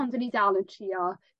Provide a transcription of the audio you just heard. On 'dyn ni dal yn trio